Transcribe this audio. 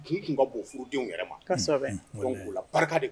Kun tun ka bɔ furudenw wɛrɛ ma ka b' la barika de